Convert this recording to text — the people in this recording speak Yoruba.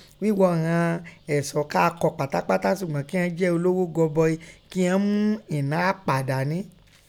Ghíghọ ìghọn ẹ̀sọ́ káa kọ̀ pátápátá sùgbọ́n kí ghọ́n jẹ́ ológhó gọbọi kí ghọ́n mú ẹ̀ná àpà dání.